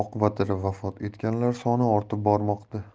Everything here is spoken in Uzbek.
oqibatida vafot etganlar soni ortib bormoqda